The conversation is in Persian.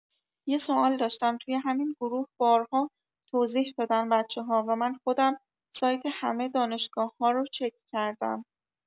یه سوال داشتم توی همین گروه بارها توضیح دادن بچه‌ها و من خودم سایت همه دانشگاه‌‌ها رو چک کردم.